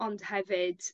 Ond hefyd